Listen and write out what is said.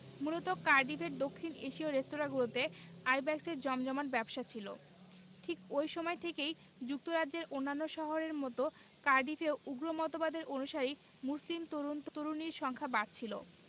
মূলত কার্ডিফের দক্ষিণ এশীয় রেস্তোরাঁগুলোতে আইব্যাকসের জমজমাট ব্যবসা ছিল ঠিক এই সময় থেকেই যুক্তরাজ্যের অন্যান্য শহরের মতো কার্ডিফেও উগ্র মতবাদের অনুসারী মুসলিম তরুণ তরুণীর সংখ্যা বাড়ছিল